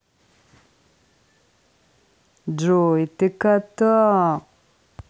джой ты кота